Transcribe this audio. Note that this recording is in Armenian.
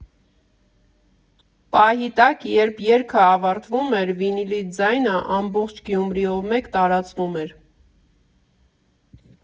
Պահի տակ, երբ երգը ավարտվում էր, վինիլի ձայնը ամբողջ Գյումրիով մեկ տարածվում էր։